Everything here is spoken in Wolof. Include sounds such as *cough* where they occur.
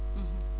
*hesitation* *hesitation*